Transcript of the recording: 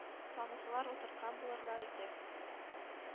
Танысалар, утырткан булырлар иде“,